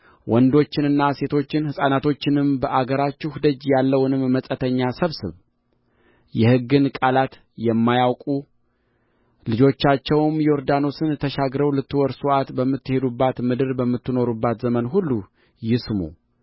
ወንዶችንና ሴቶችን ሕፃናቶችንም በአገራችሁ ደጅ ያለውንም መጻተኛ ሰብስብ የሕግ ቃላት የማያውቁ ልጆቻቸውም ዮርዳኖስን ተሻግራችሁ ልትወርሱአት በምትሄዱባት ምድር በምትኖሩበት ዘመን ሁሉ ይስሙ